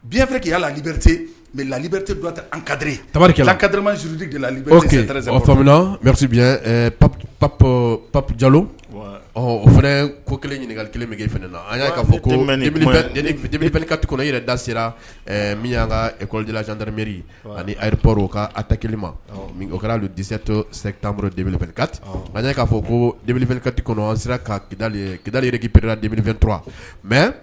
Biyɛnfɛ k ya lakibte mɛ lalibte kadri lakadma sp pap pap jalo o fana ko kelen ɲininkakali kelenge na an fɔ kopkati i da sera min an kakɔli jandremeri anipr ka a ta kelen ma o kɛra don disetɔ sɛ tanelepereka an y' k'a fɔ koele kati an sera kida yɛrɛkiperedaeletura mɛ